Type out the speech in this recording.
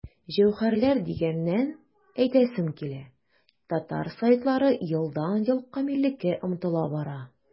Җәүһәрләр дигәннән, әйтәсем килә, татар сайтлары елдан-ел камиллеккә омтыла бара.